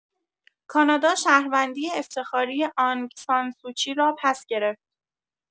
کانادا شهروندی افتخاری آنگ سان سوچی را پس‌گرفت.